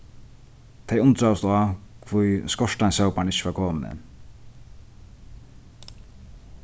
tey undraðust á hví skorsteinssóparin ikki var komin enn